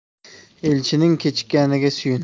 elchining kechikkaniga suyun